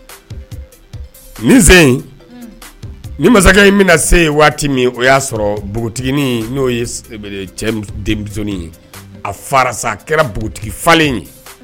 Ni sen in ni masakɛ in bɛna se waati min, o ya sɔrɔ npogotigi n'o ye cɛ denmuso, a fara, a kɛra npogotigi falen ye.